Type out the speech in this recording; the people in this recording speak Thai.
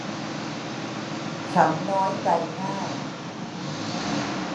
ฉันน้อยใจง่าย